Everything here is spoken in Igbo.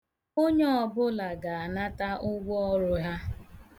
Onye ọbụla ga-anata ụgwọọrụ ha.